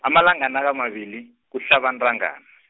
amalanga nakamabili, kuSihlabantangana.